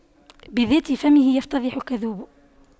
بذات فمه يفتضح الكذوب